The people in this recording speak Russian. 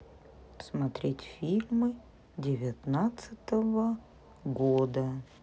смотреть фильмы девятнадцатого года